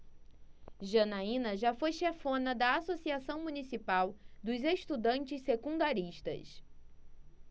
janaina foi chefona da ames associação municipal dos estudantes secundaristas